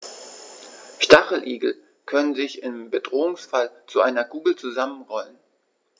Stacheligel können sich im Bedrohungsfall zu einer Kugel zusammenrollen.